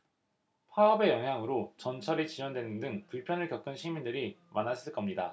파업의 영향으로 전철이 지연되는 등 불편을 겪은 시민들이 많았을 겁니다